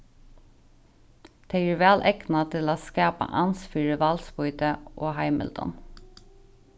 tey eru væl egnað til at skapa ans fyri valdsbýti og heimildum